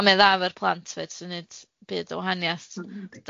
A mae o'n dda efo'r plant 'fyd, sy neud byd o wahaniath.